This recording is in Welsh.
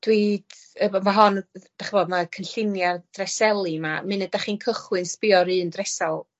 dwi efo ma' hon yy dach ch'mod ma'r cynllunia' dreseli 'ma, munud dach chi'n cychwyn sbïo ar un dresal